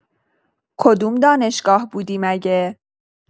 کدوم دانشگاه بودی مگه؟